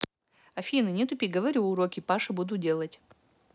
афина не тупи говорю уроки паши будут делать